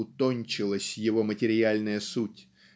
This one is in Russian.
утончилась его материальная суть